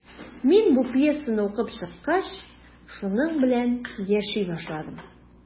Мин бу пьесаны укып чыккач, шуның белән яши башладым.